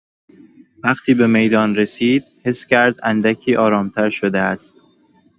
وقتی به میدان رسید، حس کرد اندکی آرام‌تر شده است.